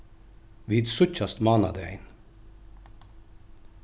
vit síggjast mánadagin